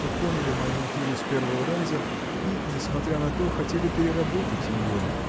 что поняли мою натуру с первого раза и несмотря на то хотели переработать ее